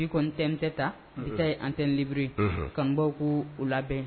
N'ikt tɛ ta nta ant bri ka baw ko u labɛn